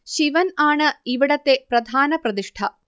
ശിവൻ ആണ് ഇവിടത്തെ പ്രധാന പ്രതിഷ്ഠ